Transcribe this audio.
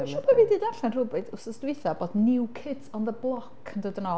Dwi'n siŵr bod fi 'di darllen rhywbryd wsos dwytha bod New Kids on the Block yn dod yn ôl.